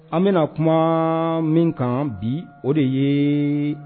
An bɛna kuma min kan bi o de ye